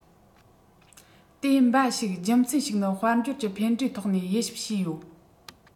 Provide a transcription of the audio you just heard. དེ འབའ ཞིག རྒྱུ མཚན ཞིག ནི དཔལ འབྱོར གྱི ཕན འབྲས ཐོག ནས དབྱེ ཞིབ བྱས ཡོད